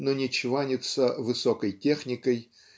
но не чванится высокой техникой